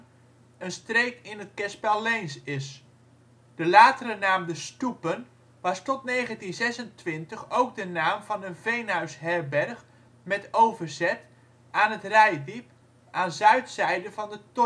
streek in het kerspel Leens is. De latere naam De Stoepen was tot 1926 ook de naam van een veerhuis-herberg met overzet aan het Reitdiep aan zuidzijde van de